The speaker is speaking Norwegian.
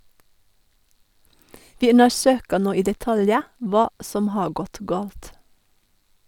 - Vi undersøker nå i detalj hva som har gått galt.